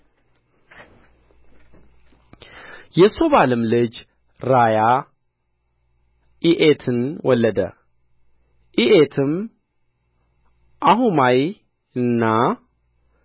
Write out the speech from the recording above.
የሦባልም ልጅ ራያ ኢኤትን ወለደ ኢኤትም አሑማይንና